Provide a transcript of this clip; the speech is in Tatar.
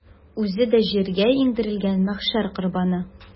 Үзе дә җиргә иңдерелгән мәхшәр корбаны.